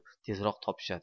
tezroq topishadi